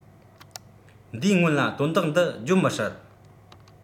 འདིའི སྔོན ལ དོན དག འདི བརྗོད མི སྲིད